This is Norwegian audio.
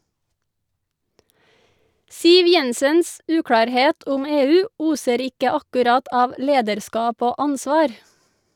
Siv Jensens uklarhet om EU oser ikke akkurat av lederskap og ansvar.